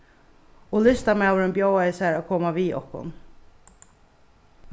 og listamaðurin bjóðaði sær til at koma við okkum